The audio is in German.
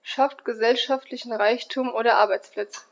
schafft gesellschaftlichen Reichtum und Arbeitsplätze.